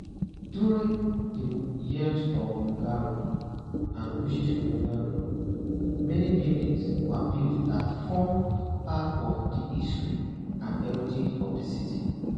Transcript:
During the years of Mughal rule and British colonial rule, many buildings were built that form part of the history and heritage of the city.